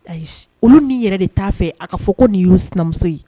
Ayi olu ni yɛrɛ de t'a fɛ a ka fɔ ko nin y'o sinamuso ye